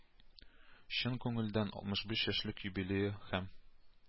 Чын күңелдән алтмыш биш яшьлек юбилее һәм